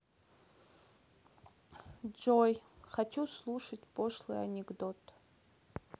джой хочу слушать пошлый анекдот